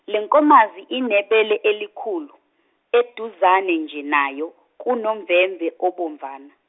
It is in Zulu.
lenkomazi inebele elikhulu, eduzane nje nayo kunomvemve obomvana.